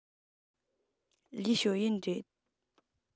ལིའི ཞའོ ཡན རེད